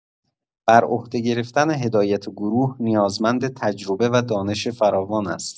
برعهده گرفتن هدایت گروه، نیازمند تجربه و دانش فراوان است.